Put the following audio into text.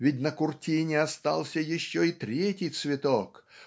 ведь на куртине остался еще и третий цветок!